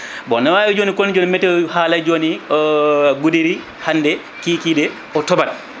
bon ne wawi joni météo haalay joni Goudiry hande kikiɗe o tooɓat